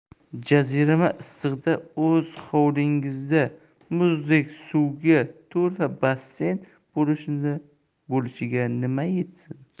jazirama issiqda o'z hovlingizda muzdek suvga to'la basseyn bo'lishiga nima yetsin